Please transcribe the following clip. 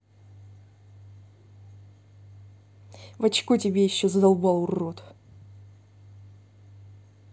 в очко тебе еще задолбал урод